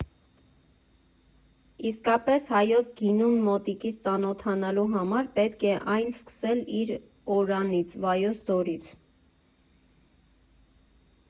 Իսկապես՝ հայոց գինուն մոտիկից ծանոթանալու համար պետք է այն սկսել իր օրրանից՝ Վայոց ձորից։